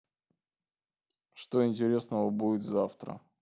что интересного будет завтра